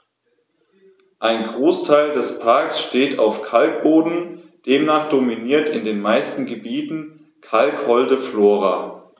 Ein Großteil des Parks steht auf Kalkboden, demnach dominiert in den meisten Gebieten kalkholde Flora.